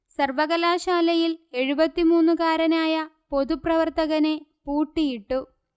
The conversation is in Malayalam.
സർവകലാശാലയിൽ എഴുപത്തിമൂന്നുകാരനായ പൊതുപ്രവർത്തകനെ പൂട്ടി ഇട്ടു